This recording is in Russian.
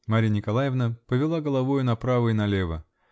Марья Николаевна повела головою направо и налево.